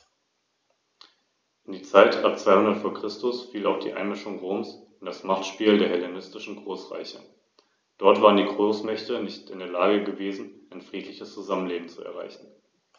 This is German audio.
Während sie einen Fixbetrag an den Staat abführten, konnten sie Mehreinnahmen behalten.